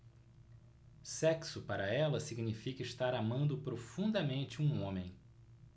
sexo para ela significa estar amando profundamente um homem